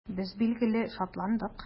Без, билгеле, шатландык.